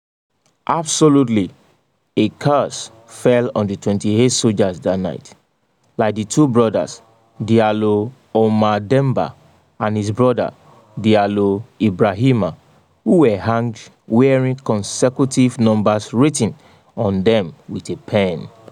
Absolutely, a curse fell on the 28 soldiers that night. Like the two brothers, Diallo Oumar Demba and his brother Diallo Ibrahima, who were hanged wearing consecutive numbers written on them with a pen.